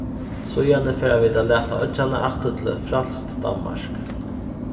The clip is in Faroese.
síðani fara vit at lata oyggjarnar aftur til eitt frælst danmark